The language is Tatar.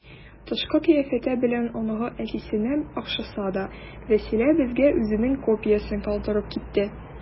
Тышкы кыяфәте белән оныгы әтисенә охшаса да, Вәсилә безгә үзенең копиясен калдырып китте.